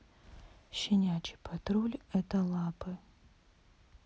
щенячий патруль это лапы